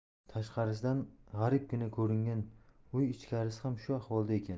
tashqarisidan g'aribgina ko'ringan uy ichkarisi ham shu ahvolda ekan